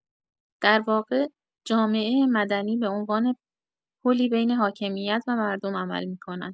در واقع، جامعه مدنی به‌عنوان پلی بین حاکمیت و مردم عمل می‌کند.